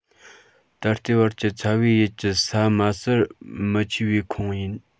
ད ལྟའི བར གྱི ཚ བའི ཡུལ གྱི ས དམའ སར མི མཆིས པའི ཁོངས ཡིན